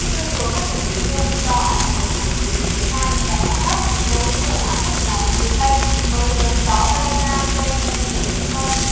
trôi xuống các tỉnh miền trung do ảnh hưởng của rìa phía nam rãnh áp thấp nối với vùng áp thấp nóng phía tây với đới gió tây nam gây nên hiệu ứng phơn